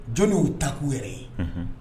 Jɔnni y'o takuu yɛrɛ ye